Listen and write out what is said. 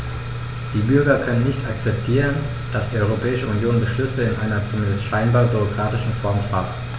Die Bürger können nicht akzeptieren, dass die Europäische Union Beschlüsse in einer, zumindest scheinbar, bürokratischen Form faßt.